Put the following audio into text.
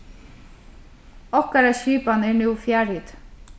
okkara skipan er nú fjarhiti